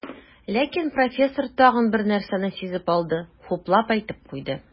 Ләкин профессор тагын бер нәрсәне сизеп алды, хуплап әйтеп куйды.